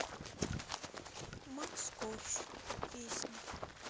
макс корж песни